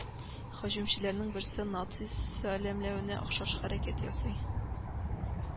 Һөҗүмчеләрнең берсе наци сәламләвенә охшаш хәрәкәт ясый